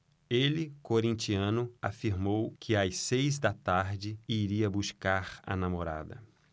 ele corintiano afirmou que às seis da tarde iria buscar a namorada